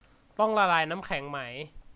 ต้องละลายน้ำแข็งไหม